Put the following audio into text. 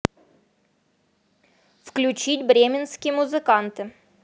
включить бременские музыканты